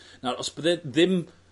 ... nawr os bydde ddim